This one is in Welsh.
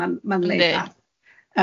Ma'n ma'n le da.